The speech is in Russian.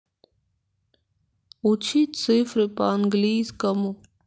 учить цифры по английскому